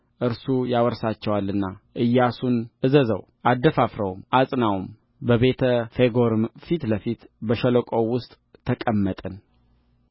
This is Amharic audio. እርሱ ያወርሳቸዋልና ኢያሱን እዘዘው አደፋፍረውም አጽናውምበቤተፌጎርም ፊት ለፊት በሸለቆው ውስጥ ተቀመጥን